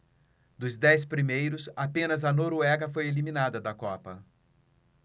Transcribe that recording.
dos dez primeiros apenas a noruega foi eliminada da copa